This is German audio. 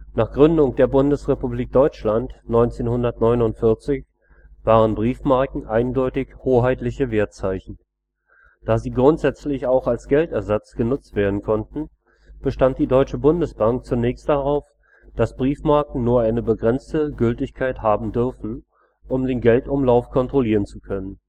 Nach Gründung der Bundesrepublik Deutschland 1949 waren Briefmarken eindeutig hoheitliche Wertzeichen. Da sie grundsätzlich auch als Geldersatz genutzt werden konnten, bestand die Deutsche Bundesbank zunächst darauf, dass Briefmarken nur eine begrenzte Gültigkeit haben dürfen, um den Geldumlauf kontrollieren zu können